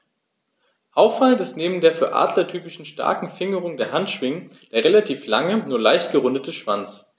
Auffallend ist neben der für Adler typischen starken Fingerung der Handschwingen der relativ lange, nur leicht gerundete Schwanz.